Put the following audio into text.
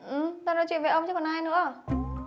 ừ tao nói chuyện với ông chứ còn ai nữa